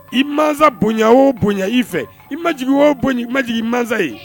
I mansa bonya o bonya i fɛ, i majigin o bony majigin mansa ye